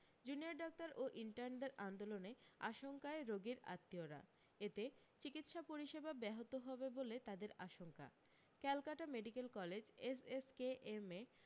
junior doctor ও ইনটার্নদের আন্দোলনে আশঙ্কায় রোগীর আত্মীয়রা এতে চিকিৎসা পরিষেবা ব্যাহত হবে বলে তাদের আশঙ্কা ক্যালকাটা মেডিক্যাল কলেজ এসএসকেএমে